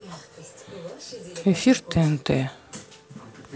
эфир тнт